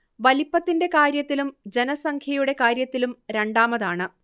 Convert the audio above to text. വലിപ്പത്തിന്റെ കാര്യത്തിലും ജനസംഖ്യയുടെ കാര്യത്തിലും രണ്ടാമതാണ്